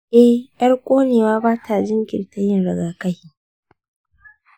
eh, ƴar ƙonewa ba ta jinkirta yin rigakafi.